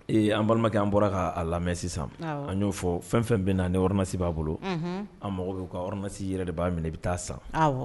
Ee an balimakɛ an bɔra ka a lamɛn sisan, awɔ, an y'o fɔ fɛn o fɛn bɛ na ni ordonnance b'a bolo, unhun, an mago bɛ u ordonnance i yɛrɛ de b'a minɛ i bɛ ta'a san